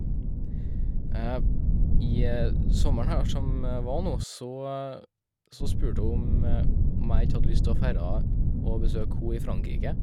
I sommeren her som var, nå, så så spurte hun om om jeg ikke hadde lyst å færra og besøke ho i Frankrike.